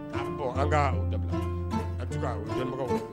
A an a jelibagaw